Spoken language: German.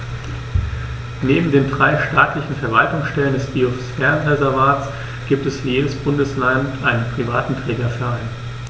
Neben den drei staatlichen Verwaltungsstellen des Biosphärenreservates gibt es für jedes Bundesland einen privaten Trägerverein.